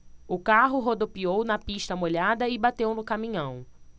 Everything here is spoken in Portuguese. o carro rodopiou na pista molhada e bateu no caminhão